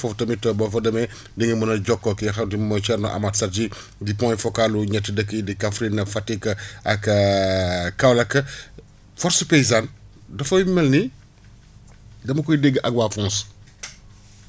foofu tamit boo fa demee di nga mën a jokkoo ak ki nga xam ne moom mooy Thierno amath Sadji di point focal lu ñetti dëkk yii di Kaffrine ak Fatick ak Kaolack force paysane dafa mel ni dama koy dégg ak waa FONG